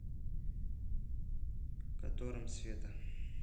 котором света